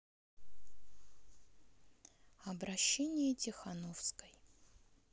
обращение тихановской